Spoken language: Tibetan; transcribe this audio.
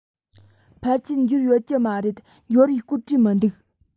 ཕལ ཆེར འབྱོར ཡོད ཀྱི མ རེད འབྱོར བའི སྐོར བྲིས མི འདུག